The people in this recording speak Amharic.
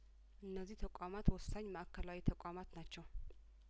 እነዚህ ተቋማት ወሳኝ ማእከላዊ ተቋማት ናቸው